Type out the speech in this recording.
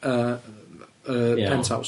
Yy yy y Penthouse.